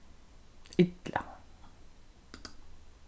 illa